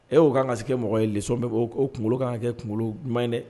E o ka kan ka kɛ mɔgɔ ye lesɔn bɛ o kunkolo ka kɛ kunkolo ɲuman ye dɛ